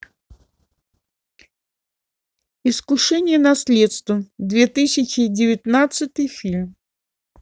искушение наследством две тысячи девятнадцатый фильм